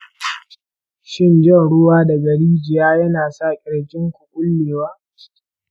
shin jan ruwa daga rijiya ya na sa ƙirjin ku ƙullewa?